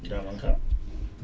Diamanka